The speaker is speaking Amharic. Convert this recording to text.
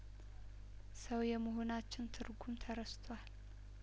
ሰው የመሆናችን ትርጉም ተረ ስቷል